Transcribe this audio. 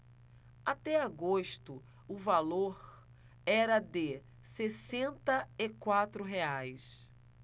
até agosto o valor era de sessenta e quatro reais